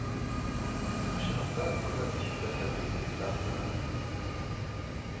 Күп очракта моны сизмәсә дә, кассага